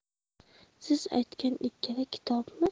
siz aytgan ikkala kitobni